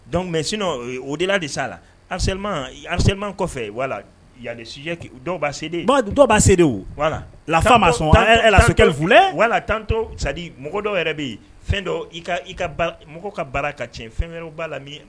Dɔnkuc mɛ sin o dela de sa'a la anseliman kɔfɛ wala yajɛki dɔwbase de badu dɔwba se de wala lafa ma sɔn laflɛ wala tanto sadi mɔgɔ dɔw yɛrɛ bɛ yen fɛn dɔ i ka ka mɔgɔ ka baara ka cɛ fɛn wɛrɛ b'a la